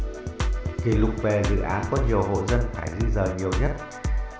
kỷ lục về dự án có nhiều hộ dân phải di dời nhiều nhất